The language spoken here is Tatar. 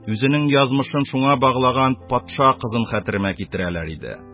Үзенең язмышын шуңа баглаган патша кызын хәтеремә китерәләр иде.